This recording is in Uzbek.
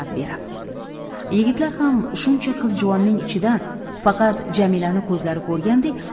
berib yigitlar ham shuncha qiz juvonning ichida faqat jamilani ko'zlari ko'rgandek